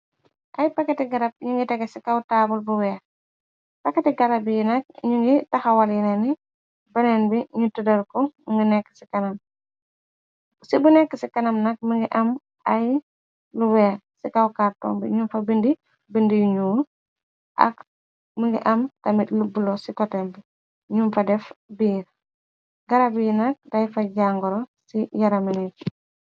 Ay paketi garab yu tege ci kawtaabul bu weex paketi garab yi nak ñu ngi taxawal yenee ni beneen bi ñu tëdar ko mngi nekk ci kanam ci bu nekk ci kanam nak më ngi am ay lu weex ci kawkaartombi ñu fa bindi bind yuñu ak më ngi am tamit lubbulo ci kotem bi ñum fa def biir garab yi nak day fa jàngoro ci yaraminit.